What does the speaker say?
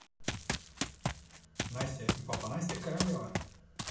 настя и папа настя королева